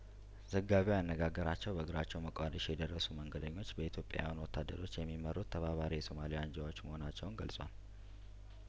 ዘጋቢው ያነጋገራቸው በእግራቸው ሞቃዲሾ የደረሱ መንገደኞች በኢትዮጵያውያኑ ወታደሮች የሚመሩት ተባባሪ የሶማሌ አንጃዎች መሆናቸውን ገልጿል